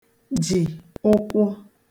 jì ụkwụ